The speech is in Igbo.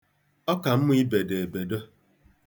Ọ ka mma ibedo ebedo.